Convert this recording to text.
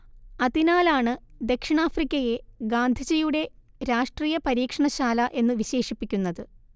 അതിനാലാണ് ദക്ഷിണാഫ്രിക്കയെ ഗാന്ധിജിയുടെ രാഷ്ട്രീയ പരീക്ഷണ ശാല എന്നു വിശേഷിപ്പിക്കുന്നത്